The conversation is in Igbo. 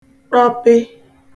ṭọpe